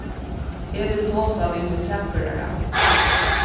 eg vil tosa við mín sakførara